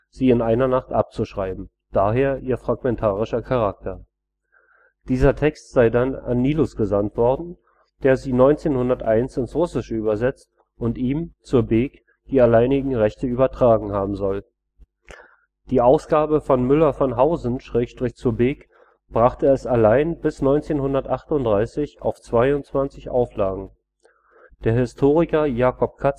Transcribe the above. sie in einer Nacht abzuschreiben – daher ihr fragmentarischer Charakter. Dieser Text sei dann an Nilus gesandt worden, der sie 1901 ins Russische übersetzt und ihm, zur Beek, die alleinigen Rechte übertragen haben soll. Die Ausgabe von Müller von Hausen / zur Beek brachte es allein bis 1938 auf 22 Auflagen: Der Historiker